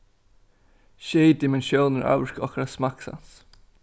sjey dimensjónir ávirka okkara smakksans